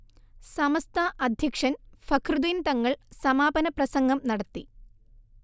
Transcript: സമസ്ത അധ്യക്ഷൻ ഫഖ്റുദ്ദീൻ തങ്ങൾ സമാപന പ്രസംഗം നടത്തി